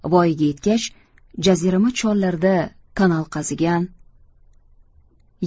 voyaga yetgach jazirama chollarda kanal qazigan